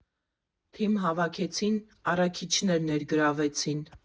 Թիմ հավաքեցին, առաքիչներ ներգրավեցին։